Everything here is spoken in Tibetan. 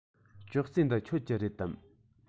ཅོག ཙེ འདི ཁྱོད ཀྱི རེད དམ